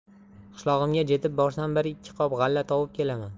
qishlog'imga jetib borsam bir ikki qop g'alla tovib kelaman